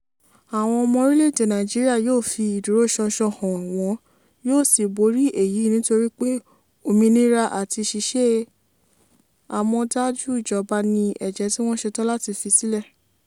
Àwọn ọmọ orílẹ̀ èdè Nàìjíríà yóò fi ìdúróṣánṣán hàn wọn yóò sì borí èyí nítorí pé òmìnira àti ṣíṣe àmọ̀dájú ìjọba ní ẹ̀jẹ̀ tí wọ́n ṣetán láti fi sílẹ̀.